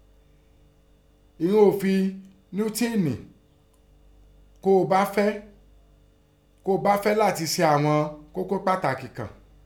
Ìnọn òfi Níútíìnì, kọ́ ọ bá fẹ́, kọ́ ọ bá fẹ́ látẹn se ìnọn kókó pàtàkì kàn.